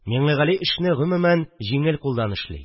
Миңлегали эшне гомумән җиңел кулдан эшли